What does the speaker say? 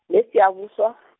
ngeSiyabuswa .